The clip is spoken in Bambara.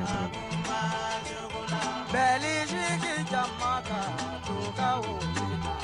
Bɛ jigin ja ka du ka gosi